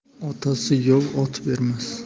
otasi yov ot bermas